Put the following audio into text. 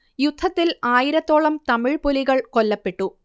യുദ്ധത്തിൽ ആയിരത്തോളം തമിഴ് പുലികൾ കൊല്ലപ്പെട്ടു